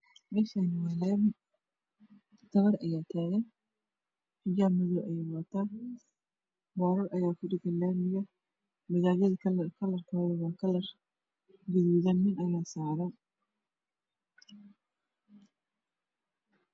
Meshan waa lami gabar aya tagan xijaab madow ah ayey wadata borarar aya kudhegan kalarkoda waa gaduud nin aya saran